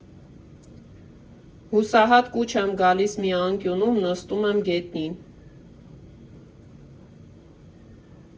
Հուսահատ կուչ եմ գալիս մի անկյունում, նստում եմ գետնին։